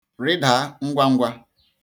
Rịdaa ngwangwa!